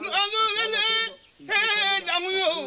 Faama bɛ den jamumu